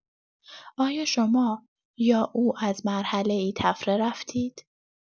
آیا شما یا او از مرحله‌ای طفره رفتید؟